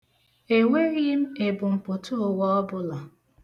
Enweghị m ebumpụtụụwa ọbụla.